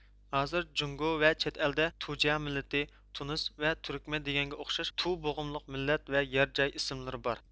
ھازىر جۇڭگو ۋە چەتئەلدە تۇجيا مىللىتى تۇنىس ۋە تۈركمەن دېگەنگە ئوخشاش تۇ بوغۇملۇق مىللەت ۋە يەر جاي ئىسىملىرى بار